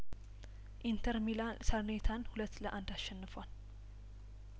ኢንተር ሚላን ሳር ኔታናን ሁለት ለአንድ አሸንፏል